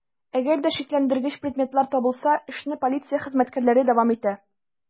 Әгәр дә шикләндергеч предметлар табылса, эшне полиция хезмәткәрләре дәвам итә.